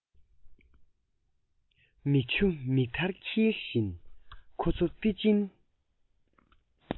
མིག ཆུ མིག མཐར འཁྱིལ བཞིན ཁོ ཚོ པེ ཅིན